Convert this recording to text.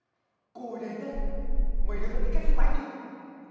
cô ấy đến đấy mấy đứa phải nghĩ cách giúp anh đi